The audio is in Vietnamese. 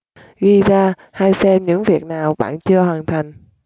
ghi ra hay xem những việc nào bạn chưa hoàn thành